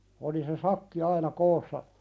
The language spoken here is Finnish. oli se sakki aina koossa